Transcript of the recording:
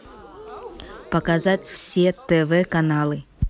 показать все тв каналы